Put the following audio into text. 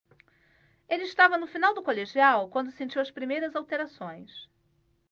ele estava no final do colegial quando sentiu as primeiras alterações